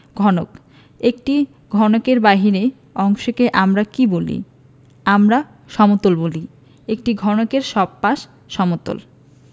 ঘনকঃ একটি ঘনকের বাইরের অংশকে আমরা কী বলি আমরা সমতল বলি একটি ঘনকের সব পাশ সমতল